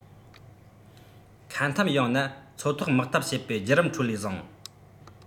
མཁའ འཐབ ཡང ན མཚོ ཐོག དམག འཐབ བྱེད པའི བརྒྱུད རིམ ཁྲོད ལས བཟང